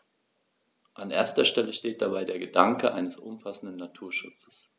An erster Stelle steht dabei der Gedanke eines umfassenden Naturschutzes.